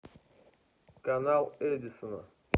канал эдисона